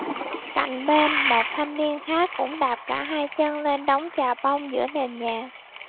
cạnh bên một thanh niên khác cũng đạp cả hai chân lên đống chà bông giữa nền nhà